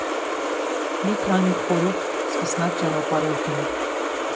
ՄԻ ՔԱՆԻ ԽՈՐՀՈՒՐԴ ՍԿՍՆԱԿ ՃԱՆԱՊԱՐՀՈՐԴԻՆ։